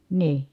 niin